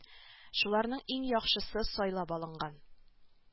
Шуларның иң яхшы е сайлап алынган